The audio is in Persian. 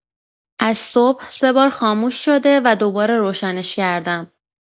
از صبح سه بار خاموش شده و دوباره روشنش کردم.